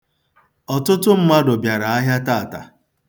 Ọtụtụ mmadụ bịara ahịa taata.